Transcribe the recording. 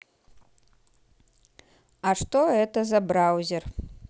а что это за браузер